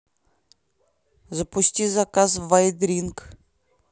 запусти заказ в айдринк